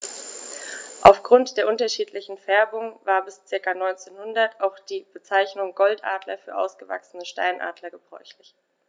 Auf Grund der unterschiedlichen Färbung war bis ca. 1900 auch die Bezeichnung Goldadler für ausgewachsene Steinadler gebräuchlich.